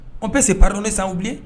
Ko tɛ se park san bilen